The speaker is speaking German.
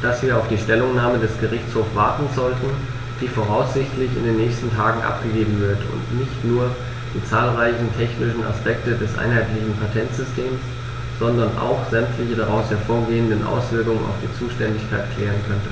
dass wir auf die Stellungnahme des Gerichtshofs warten sollten, die voraussichtlich in den nächsten Tagen abgegeben wird und nicht nur die zahlreichen technischen Aspekte des einheitlichen Patentsystems, sondern auch sämtliche daraus hervorgehenden Auswirkungen auf die Zuständigkeit klären könnte.